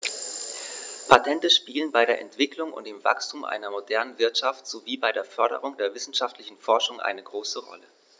Patente spielen bei der Entwicklung und dem Wachstum einer modernen Wirtschaft sowie bei der Förderung der wissenschaftlichen Forschung eine große Rolle.